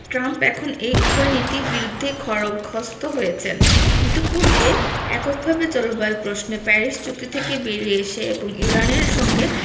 Trump এখন এই উভয় নীতির বিরুদ্ধেই খড়গহস্ত হয়েছেন ইতিপূর্বে এককভাবে জলবায়ু প্রশ্নে প্যারিস চুক্তি থেকে বেরিয়ে এসে এবং ইরানের সঙ্গে